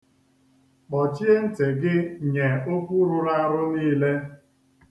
Kpọchie ntị gị nye okwu rụrụ arụ niile.